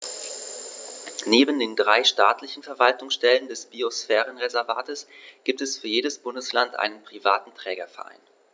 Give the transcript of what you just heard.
Neben den drei staatlichen Verwaltungsstellen des Biosphärenreservates gibt es für jedes Bundesland einen privaten Trägerverein.